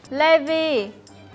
lê vy